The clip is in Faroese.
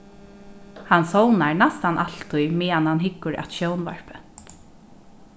hann sovnar næstan altíð meðan hann hyggur at sjónvarpi